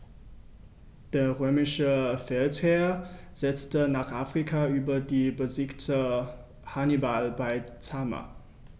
Der römische Feldherr setzte nach Afrika über und besiegte Hannibal bei Zama.